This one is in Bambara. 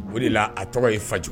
O de a tɔgɔ ye fa kojugu